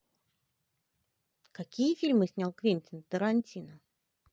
какие фильмы снял квентин тарантино